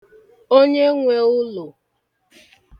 onyenwē ụlọ̀